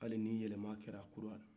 hali ni yɛlɛma kɛera kura ye